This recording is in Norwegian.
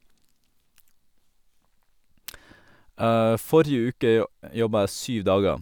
Forrige uke jo jobba jeg syv dager.